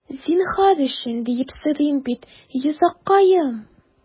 Зинһар өчен, диеп сорыйм бит, йозаккаем...